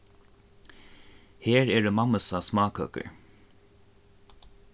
her eru mammusa smákøkur